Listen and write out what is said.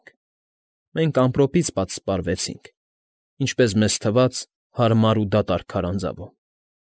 Ենք։ Մենք ամպրոպից պատսպարվեցինք, ինչպես մեզ թվաց, հարմար ու դատարկ քարանձավում։